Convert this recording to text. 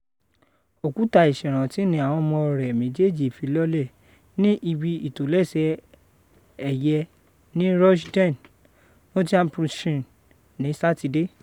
Òkúta ìṣèrántí ní àwọn ọmọ rẹ̀ méjèèjì fi lọ́lẹ̀ ní ibi ìtólẹ́ṣẹ́ ẹ̀yẹ ní Rushden, Northamptonshire, ní Sátidé.